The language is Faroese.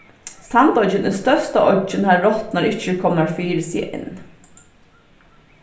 sandoyggin er størsta oyggin har rotturnar ikki eru komnar fyri seg enn